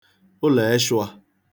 ụlọeshụa